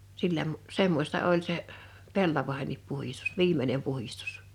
sillä - semmoista oli se pellavienkin puhdistus viimeinen puhdistus